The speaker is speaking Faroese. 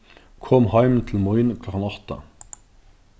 kom heim til mín klokkan átta